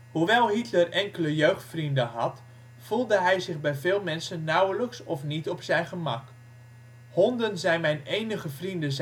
Hitler enkele jeugdvrienden had, voelde hij zich bij veel mensen nauwelijks of niet op zijn gemak. ' Honden zijn mijn enige vrienden